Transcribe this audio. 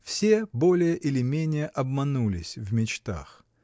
Все более или менее обманулись в мечтах.